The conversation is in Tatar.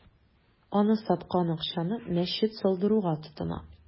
Аны саткан акчаны мәчет салдыруга тотына.